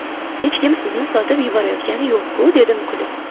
hech kim sizni sotib yuborayotgani yo'q ku dedim kulib